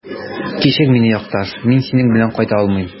Кичер мине, якташ, мин синең белән кайта алмыйм.